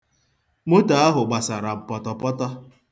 Moto ahụ gbasara m pọtọpọtọ.